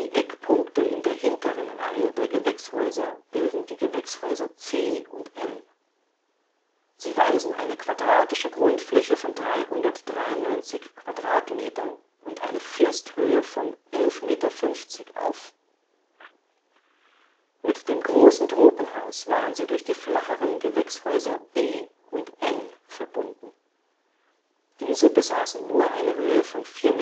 Eckpunkte in der hinteren Reihe der Gewächshäuser bilden die Gewächshäuser C und M. Sie weisen eine quadratische Grundfläche von 393 m² und eine Firsthöhe von 11,50 Meter auf. Mit dem Großen Tropenhaus waren sie durch die flacheren Gewächshäuser B und N verbunden. Diese besaßen nur eine Höhe von 4,50